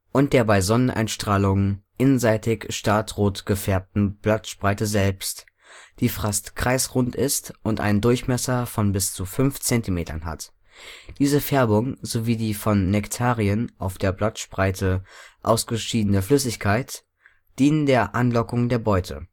und der bei Sonneneinstrahlung innenseitig stark rot gefärbten Blattspreite selbst, die fast kreisrund ist und einen Durchmesser von bis zu fünf Zentimetern hat. Diese Färbung sowie die von Nektarien auf der Blattspreite ausgeschiedene Flüssigkeit dienen der Anlockung der Beute